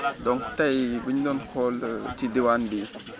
donc tey bu ñu doon xool ci diwaan bi